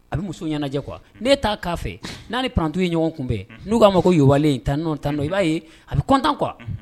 A bɛ muso ɲɛnajɛ qu kuwa nee t taa'a fɛ n' ni ptu ye ɲɔgɔn tunbɛn n'u b'a ma ko ye yaawalen in tan tandɔ i b'a ye a bɛ kɔntan kuwa